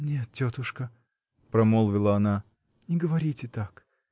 -- Нет, тетушка, -- промолвила она, -- не говорите так